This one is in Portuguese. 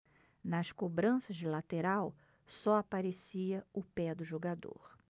nas cobranças de lateral só aparecia o pé do jogador